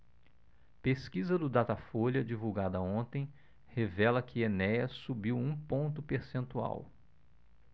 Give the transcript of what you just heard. pesquisa do datafolha divulgada ontem revela que enéas subiu um ponto percentual